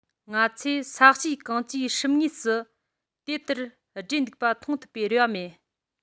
ང ཚོས ས གཤིས གང ཅིའི སྲུབས ངོས སུ དེ ལྟར སྦྲེལ འདུག པ མཐོང ཐུབ པའི རེ བ མེད